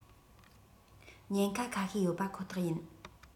ཉེན ཁ ཁ ཤས ཡོད པ ཁོ ཐག ཡིན